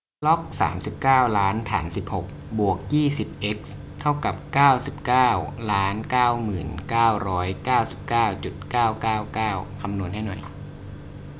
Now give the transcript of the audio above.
ล็อกสามสิบเก้าล้านฐานสิบหกบวกยี่สิบเอ็กซ์เท่ากับเก้าสิบเก้าล้านเก้าหมื่นเก้าร้อยเก้าสิบเก้าจุดเก้าเก้าเก้าคำนวณให้หน่อย